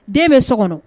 Den bɛ sɔkɔnɔ